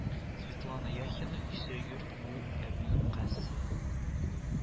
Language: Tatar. Светлана Яхина исә йорт ху абикәсе